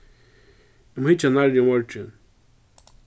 eg má hyggja nærri í morgin